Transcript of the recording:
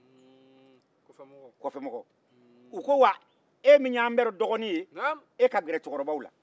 u ko e ka gɛrɛ cɛkɔrɔbaw e min y'an bɛɛ la dɔgɔnin ye